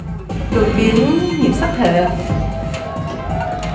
đột biến nhiễm sắc thể ạ